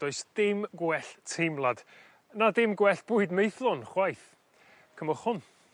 ...does dim gwell teimlad na dim gwell bwyd meithlon chwaith. Cymwch hwn.